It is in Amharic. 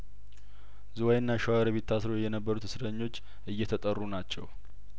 ዝዋይና ሸዋሮቢት ታስረው የነበሩ እስረኞች እየተጠሩ ናቸው